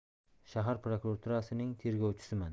shahar prokuraturasining tergovchisiman